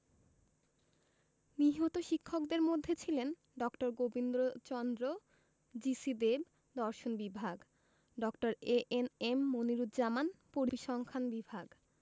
নিহত শিক্ষকদের মধ্যে ছিলেন ড. গোবিন্দচন্দ্র জি.সি দেব দর্শন বিভাগ ড. এ.এন.এম মনিরুজ্জামান পরিসংখান বিভাগ